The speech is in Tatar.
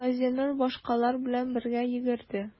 Газинур башкалар белән бергә йөгерде.